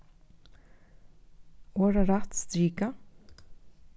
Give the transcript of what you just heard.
orðarætt strika